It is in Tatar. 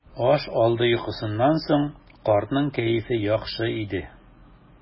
Аш алды йокысыннан соң картның кәефе яхшы иде.